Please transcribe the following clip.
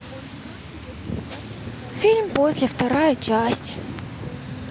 фильм после вторая часть